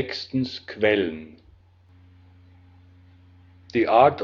Studentenbewegung dar